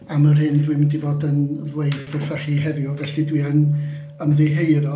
Am yr hyn dwi'n mynd i fod yn ddweud wrthoch chi heddiw, felly dwi yn ymddiheuro.